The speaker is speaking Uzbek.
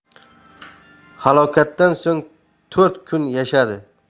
halokatdan so'ng to'rt kun yashadi